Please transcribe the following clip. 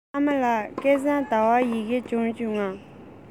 ཨ མ ལགས སྐལ བཟང ཟླ བའི ཡི གེ འབྱོར བྱུང ངམ